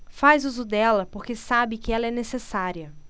faz uso dela porque sabe que ela é necessária